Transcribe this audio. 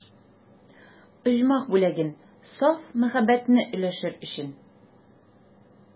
Оҗмах бүләген, саф мәхәббәтне өләшер өчен.